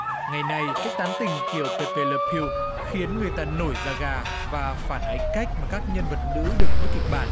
ngày này cách tán tỉnh kiểu pê pê la piu khiến người ta nổi da gà và phản ánh cách mà các nhân vật nữ được vứt kịch bản